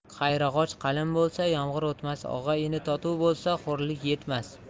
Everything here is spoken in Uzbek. qayrag'och qalin bo'lsa yomg'ir o'tmas og'a ini totuv bo'lsa xo'rlik yetmas